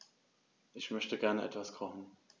Ich möchte gerne etwas kochen.